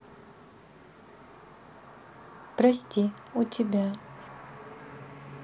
прости у тебя